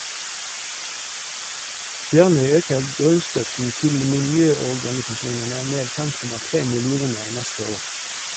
Bjørnøy øker grunnstøtten til miljøorganisasjonene med 5,3 millioner neste år.